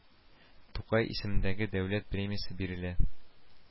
Тукай исемендәге Дәүләт премиясе бирелә